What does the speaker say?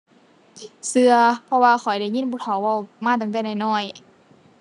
เชื่อ เพราะว่าข้อยได้ยินผู้เฒ่าเว้ามาตั้งแต่น้อยน้อย